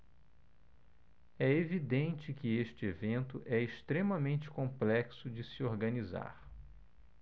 é evidente que este evento é extremamente complexo de se organizar